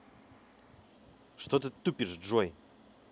что ты тупишь джой